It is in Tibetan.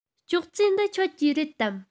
ཅོག ཙེ འདི ཁྱོད ཀྱི རེད དམ